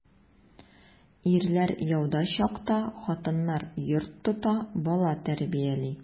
Ирләр яуда чакта хатыннар йорт тота, бала тәрбияли.